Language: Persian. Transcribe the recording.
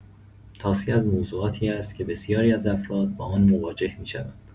طاسی از موضوعاتی است که بسیاری از افراد با آن مواجه می‌شوند.